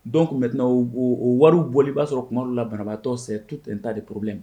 Donc maintenant o o o wɔruw bɔli i b'a sɔrɔ kumadɔ la banabaatɔ c'est tout un tas de problème